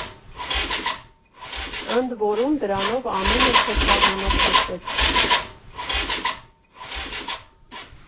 Ընդ որում, դրանով ամենը չսահմանափակվեց։